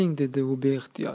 dedi u beixtiyor